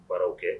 Barow kɛ